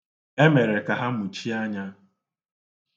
E mere ka ha muchie anya ha.